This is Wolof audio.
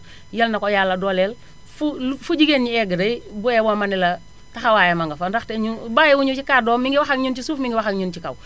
Yàlla na ko Yàlla dooleel fu lu fu jigéen ñi égg rekk boo yaboo mane la taxawaayam ma nga fa ndaxte ñun bàyyiwuñu si kàddoom mi ngi wax ak ñun ci suuf mi ngi wax ak ñun ci kaw